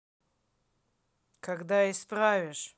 когда исправишь